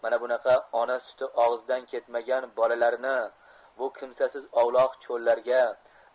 mana bunaqa ona suti og'zidan ketmagan bolalarni bu kimsasiz ovloq cho'llarga